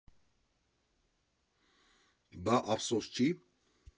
Բա ափսոս չի՞